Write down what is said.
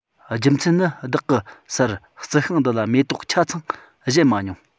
རྒྱུ མཚན ནི བདག གི སར རྩི ཤིང འདི ལ མེ ཏོག ཆ ཚང བཞད མ མྱོང